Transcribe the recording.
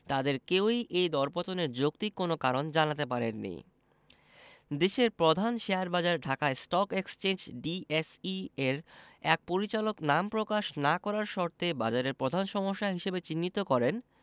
তাঁদের কেউই এ দরপতনের যৌক্তিক কোনো কারণ জানাতে পারেননি দেশের প্রধান শেয়ারবাজার ঢাকা স্টক এক্সচেঞ্জ ডিএসই এর এক পরিচালক নাম প্রকাশ না করার শর্তে বাজারের প্রধান সমস্যা হিসেবে চিহ্নিত করেন